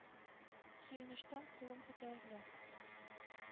Сөенечтән кулым күтәрелә.